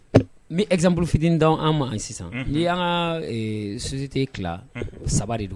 Ni ezpurufit' an ma an sisan ni y' ka susite tila saba de don